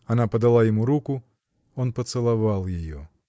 Она подала ему руку, он поцеловал ее.